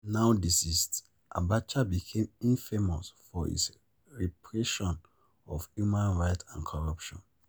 Now deceased, Abacha became infamous for his repression of human rights and corruption.